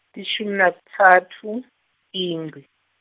tilishumi nakutsatfu, Ingci.